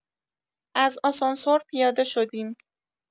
از آسانسور پیاده شدیم.